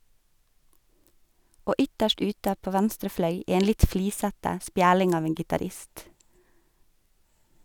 Og ytterst ute på venstre fløy en litt flisete, spjæling av en gitarist.